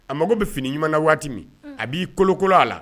A mago bɛ fini ɲuman na waati min, un, a b'i kolokolo a la